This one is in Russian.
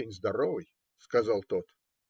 Парень здоровый, - сказал тот.